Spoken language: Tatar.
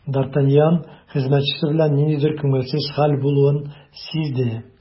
Д’Артаньян хезмәтчесе белән ниндидер күңелсез хәл булуын сизде.